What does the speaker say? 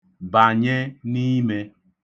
Banye n'ime.